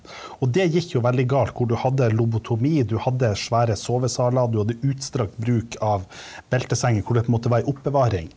og det gikk jo veldig galt, hvor du hadde lobotomi, du hadde svære sovesaler, du hadde utstrakt bruk av beltesenger, hvor det på en måte var ei oppbevaring.